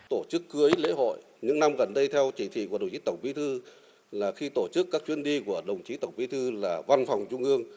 tổ chức cưới lễ hội những năm gần đây theo chỉ thị của đồng chí tổng bí thư là khi tổ chức các chuyến đi của đồng chí tổng bí thư là văn phòng trung ương